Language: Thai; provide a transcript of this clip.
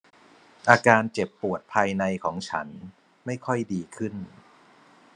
อาการเจ็บปวดภายในของฉันไม่ค่อยดีขึ้น